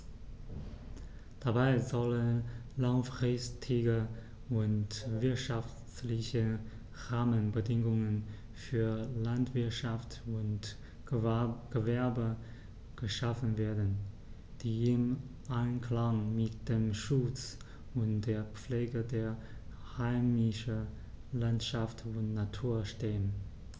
Dabei sollen langfristige und wirtschaftliche Rahmenbedingungen für Landwirtschaft und Gewerbe geschaffen werden, die im Einklang mit dem Schutz und der Pflege der heimischen Landschaft und Natur stehen.